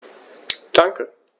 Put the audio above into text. Danke.